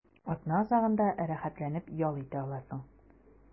Атна азагында рәхәтләнеп ял итә аласың.